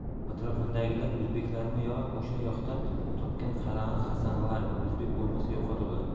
atrofingdagilar o'zbeklarmi yo o'sha yoqdan topgan qalang'i qasang'ilaringmi o'zbek bo'lmasa yo'qot ularni